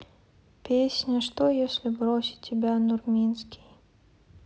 песня что если бросить тебя нурминский